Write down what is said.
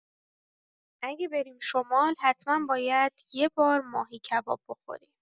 اگه بریم شمال، حتما باید یه بار ماهی کباب بخوریم!